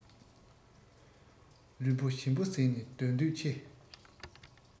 ལུས པོ ཞིམ པོ བཟས ནས སྡོད འདོད ཆེ